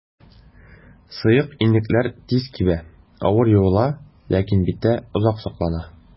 Сыек иннекләр тиз кибә, авыр юыла, ләкин биттә озак саклана.